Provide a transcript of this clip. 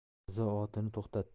mirzo otini to'xtatdi